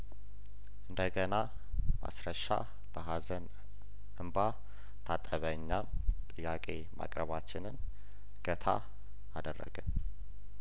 እንደ ገና ማስረሻ በሀዘን እንባ ታጠበእኛም ጥያቄ ማቅረባችንን ገታ አደረግን